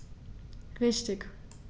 Richtig